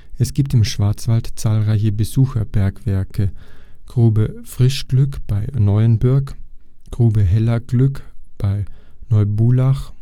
Es gibt im Schwarzwald zahlreiche Besucherbergwerke: Grube Frischglück bei Neuenbürg, Grube Hella-Glück bei Neubulach